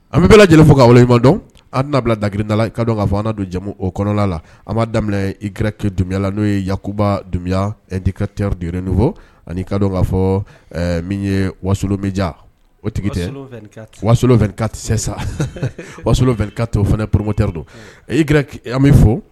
An bɛ lajɛlen fo ka waleɲumandɔn an'a bila dagkirinda la i ka don kaa fɔ an don jamu o kɔnɔ la an b' daminɛ i g kɛ dumbuyala n'o ye yakuba dunbuya'i ka grin fɔ anii ka k kaa fɔ min ye wasolo minja o tigi ten waso ka tɛ sa waso ka to o fana poromoteri don an bɛ fɔ